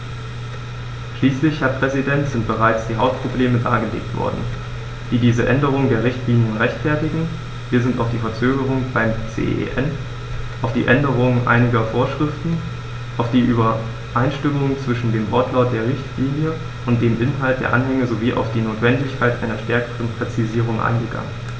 Schließlich, Herr Präsident, sind bereits die Hauptprobleme dargelegt worden, die diese Änderung der Richtlinie rechtfertigen, wir sind auf die Verzögerung beim CEN, auf die Änderung einiger Vorschriften, auf die Übereinstimmung zwischen dem Wortlaut der Richtlinie und dem Inhalt der Anhänge sowie auf die Notwendigkeit einer stärkeren Präzisierung eingegangen.